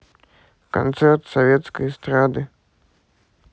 концерт советской эстрады